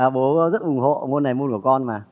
à bố rất ủng hộ môn này môn của con mà